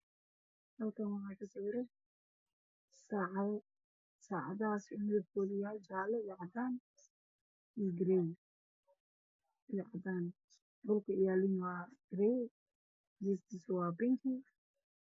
Waa saacad laga haba ah midabkeedu yahay madow oo daaran wacdaan ah oo